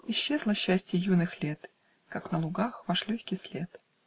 Исчезло счастье юных лет, Как на лугах ваш легкий след.